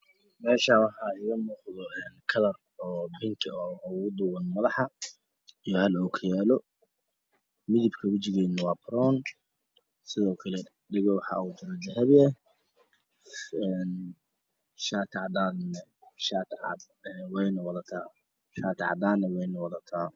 Meeshaan waxaa iiga muuqdo kalar biringi oo ugu duuban madaxa iyo hal ookiyaalo midabka wajigeedana waa baroon sidoo kale waxa kujira midab dahabiya shaati cadaana way wadataa.